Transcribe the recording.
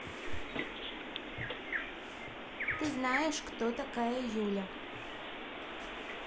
ты знаешь кто такая юля